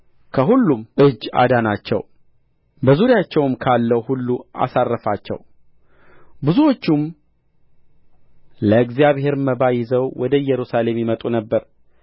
ከሁሉም እጅ አዳናቸው በዙሪያቸውም ካለው ሁሉ አሳረፋቸው ብዙዎቹም ለእግዚአብሔር መባ ይዘው ወደ ኢየሩሳሌም ይመጡ ነበር